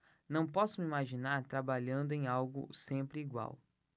não posso me imaginar trabalhando em algo sempre igual